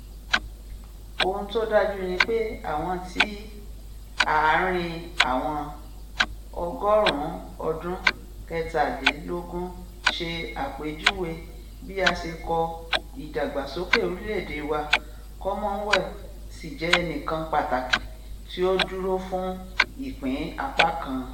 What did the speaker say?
Ohun tó dáju nipé aáwọ̀ ti ààrin àwọn ọgọ́ọ̀rún ọdún kẹtàdínlógún se àpèjuwè bi a se kọ ìdàgbàsókè oríléède wa, Cromwell sìí jẹ ẹnìkan Pàtàkì tí o dúró fún ìpín apá kan.